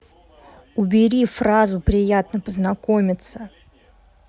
убери фразу приятно познакомиться